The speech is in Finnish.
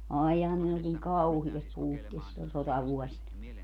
aijai kun ne oli niin kauheassa puutteessa silloin sotavuosina